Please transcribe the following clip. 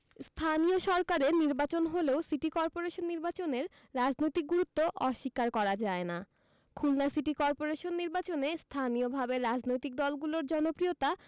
স্থানীয় সরকারের নির্বাচন হলেও সিটি করপোরেশন নির্বাচনের রাজনৈতিক গুরুত্ব অস্বীকার করা যায় না খুলনা সিটি করপোরেশন নির্বাচনে স্থানীয়ভাবে রাজনৈতিক দলগুলোর জনপ্রিয়তা